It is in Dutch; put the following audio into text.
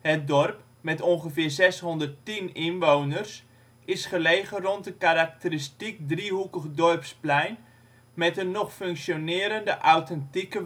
Het dorp, met ongeveer 610 inwoners, is gelegen rond een karakteristiek driehoekig dorpsplein met een nog functionerende authentieke